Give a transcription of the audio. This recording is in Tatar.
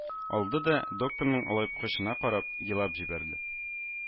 Алды да, докторның алъяпкычына карап, елап җибәрде